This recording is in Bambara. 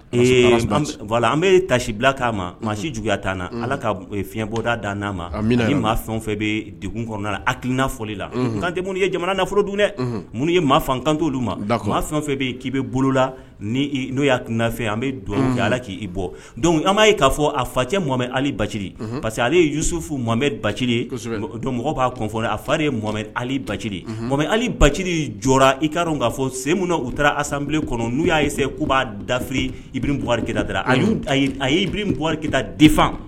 Ee an bɛ tasi bila k'a ma maa si juguyaya ta na ala ka fiɲɛbɔda dan n'a ma maa fɛn fɛ bɛ deg kɔnɔna akiiina fɔli la' tɛ ye jamana nafolo dun dɛ mun ye maa fantu olu ma ma fɛn fɛ bɛ yen k'i bɛ bolola ni n'o y' kunina fɛ an bɛ don ala k'i bɔ an b'a ye k'a fɔ a fa cɛ mamamɛ ali baji parce que ale yesufu mamamɛ baci don mɔgɔ b'a fɔ a fa ye mamamɛ ali baji mɔ ali baciri jɔ i ka dɔn k'a fɔ se min na u taara asanbilen kɔnɔ n'u y'a ye se ko b'a dari ib buwa dara a y'i buwari kita defan